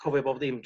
cofio bob ddim...